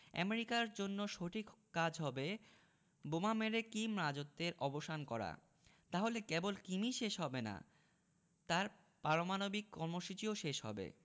আমেরিকার জন্য সঠিক কাজ হবে বোমা মেরে কিম রাজত্বের অবসান করা তাহলে কেবল কিমই শেষ হবে না তাঁর পারমাণবিক কর্মসূচিও শেষ হবে